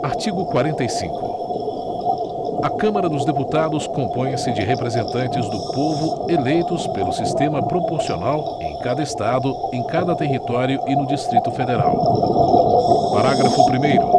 artigo quarenta e cinco a câmara dos deputados compõe se de representantes do povo eleitos pelo sistema proporcional em cada estado em cada território e no distrito federal parágrafo primeiro